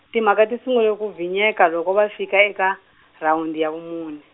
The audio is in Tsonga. timhaka ti sungule ku bvinyeka loko va fika eka, rhawundi ya vumune.